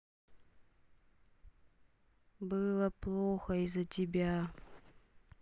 было плохо из за тебя